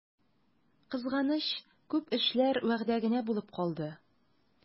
Кызганыч, күп эшләр вәгъдә генә булып калды.